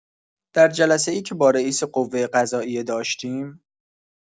در جلسه‌ای که با رئیس قوه‌قضائیه داشتیم.